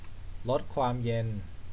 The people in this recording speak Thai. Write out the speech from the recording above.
ลดความเย็น